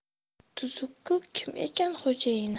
tuzuk ku kim ekan xo'jayini